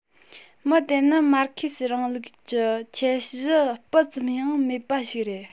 མི དེ ནི མར ཁེ སིའི རིང ལུགས ཀྱི ཁྱད གཞི སྤུ ཙམ ཡང མེད པ ཞིག རེད